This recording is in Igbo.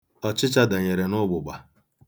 Ọchịcha danyere n'ụgbụgba.